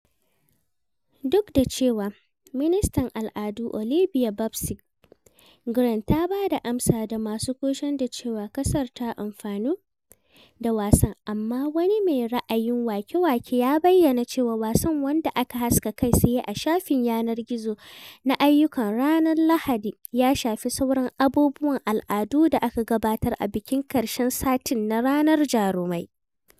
Duk da cewa Ministan Al'adu Oliɓia "Babsy" Grange ta ba da amsa ga masu kushen da cewa ƙasar ta amfanu da wasan, amma wani mai ra'ayin waƙe-waƙe ya bayyana cewa, wasan wanda aka haska kai tsaye a shafin yanar gizo na aiyukan ranar Lahadi, ya "shafe" sauran abubuwan al'adu da aka gabatar a bikin ƙarshen satin na Ranar Jarumai.